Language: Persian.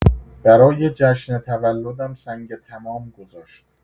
برای جشن تولدم سنگ تمام گذاشت.